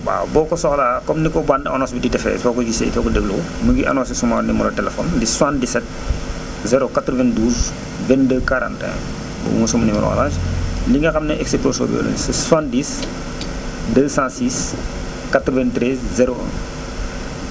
waaw boo ko soxlaa comme ni ko bande annonce bi di defee soo ko gisee soo ko dégloo mu ngi annoncé suma numéro téléphone di 77 092 22 41 mooy sama numéro orange ñi nga xam ne expresso lañ 70 206 93 01